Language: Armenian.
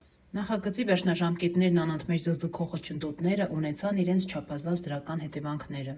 Նախագծի վերջնաժամկետներն անընդմեջ ձգձգող խոչընդոտները ունեցան իրենց չափազանց դրական հետևանքները։